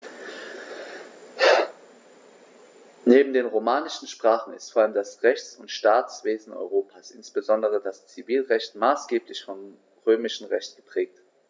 Neben den romanischen Sprachen ist vor allem das Rechts- und Staatswesen Europas, insbesondere das Zivilrecht, maßgeblich vom Römischen Recht geprägt.